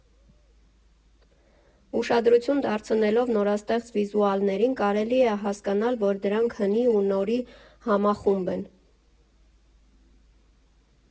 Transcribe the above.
Ուշադրություն դարձնելով նորաստեղծ վիզուալներին՝ կարելի է հասկանալ, որ դրանք հնի ու նորի համախումբ են.